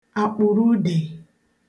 àkpụ̀rụ̀udè